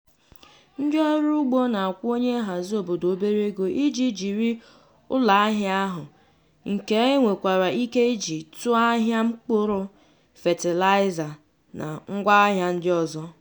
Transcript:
Ndịọrụ ugbo na-akwụ onyenhazi obodo obere ego iji jiri ụlọahịa ahụ, nke e nwekwara ike iji tụọ ahịa mkpụrụ, fatịlaịza na ngwaahịa ndị ọzọ.